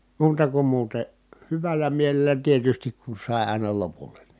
muuta kuin muuten hyvällä mielellä tietysti kun sai aina lopulle niin